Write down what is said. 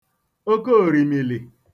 okeòrimìlì